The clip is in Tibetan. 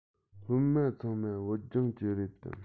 སློབ མ ཚང མ བོད ལྗོངས ཀྱི རེད དམ